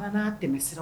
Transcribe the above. n'a tɛmɛsiraw